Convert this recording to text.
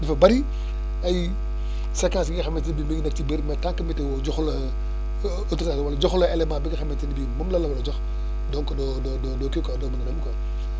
dafa bëri ay séquence yi nga xamante ne bi mu ngi nekk ci biir mais tant météo joxu la autorisation joxu la élémnet ni nga xamante ne bii moom la la war a jox donc doo doo doo kii quoi doo dem quoi